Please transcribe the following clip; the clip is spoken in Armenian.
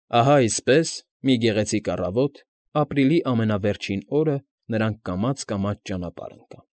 Ահա, այսպես, մի գեղեցիկ առավոտ, ապրիլի ամենավերջին օրը նրանք կամաց֊կամաց ճանապարհ ընկան։